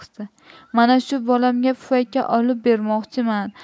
mana shu bolamga pufayka olib bermoqchiman